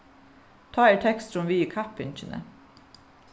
tá er teksturin við í kappingini